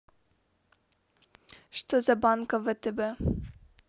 что за банк втб